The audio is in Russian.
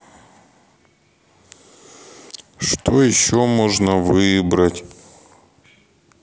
что еще можно выбрать